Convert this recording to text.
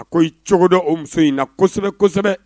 A ko i cogo dɔ o muso in na kosɛbɛ kosɛbɛ